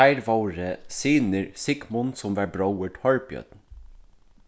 teir vóru synir sigmund sum var bróðir torbjørn